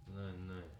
niin niin